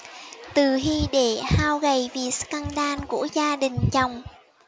từ hy đệ hao gầy vì scandal của gia đình chồng